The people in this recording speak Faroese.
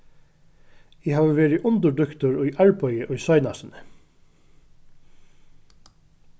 eg havi verið undirdíktur í arbeiði í seinastuni